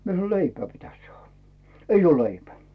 minä sanoin leipää pitäisi saada ei ole leipää